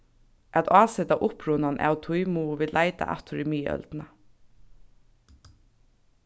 at áseta upprunan av tí mugu vit leita aftur í miðøldina